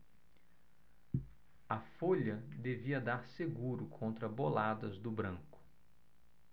a folha devia dar seguro contra boladas do branco